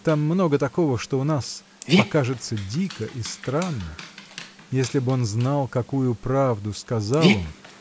там много такого, что у нас покажется дико и странно. Если б он знал какую правду сказал он